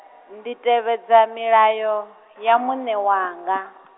ndi tevhedza milayo, ya muṋe wanga.